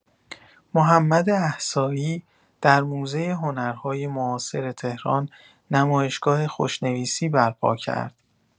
محمد احصایی در موزه هنرهای معاصر تهران نمایشگاه خوشنویسی برپا کرد.